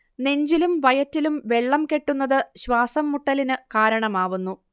നെഞ്ചിലും വയറ്റിലും വെള്ളം കെട്ടുന്നത് ശ്വാസം മുട്ടലിനു കാരണമാവുന്നു